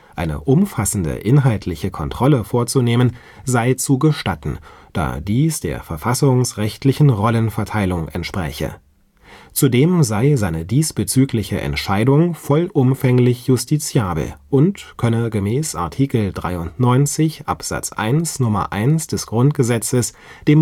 Eine umfassende inhaltliche Kontrolle vorzunehmen sei zu gestatten, da dies der verfassungsrechtlichen Rollenverteilung entspräche. Zudem sei seine diesbezügliche Entscheidung vollumfänglich justiziabel und könne gemäß Art. 93 Abs. 1 Nr. 1 GG